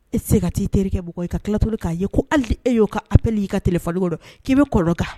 E tise ka t'i teri kɛ mɔgɔ ye ka tila tuguni k'a ye ko hali n'e y'o ka appel y'i ka téléphone ŋɔnɔ k'i be kɔnɔgan